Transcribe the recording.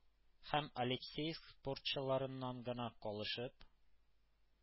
Һәм алексеевск спортчыларыннан гына калышып,